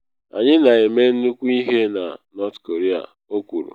“Anyị na eme nnukwu ihe na North Korea,” o kwuru.